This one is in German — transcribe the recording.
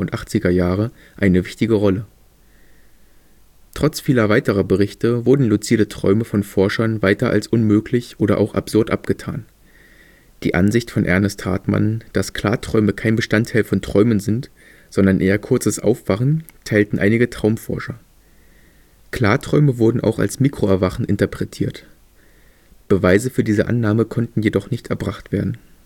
1980er Jahre eine wichtige Rolle. Trotz vieler weiterer Berichte wurden luzide Träume von Forschern weiter als unmöglich oder auch absurd abgetan. Die Ansicht von Ernest Hartmann, dass Klarträume kein Bestandteil von Träumen sind, sondern eher kurzes Aufwachen, teilten einige Traumforscher. Klarträume wurden auch als Mikro-Erwachen interpretiert. Beweise für diese Annahme konnten jedoch nicht erbracht werden